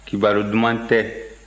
kibaru duman tɛ